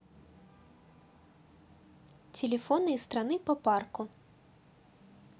телефоны из страны по парку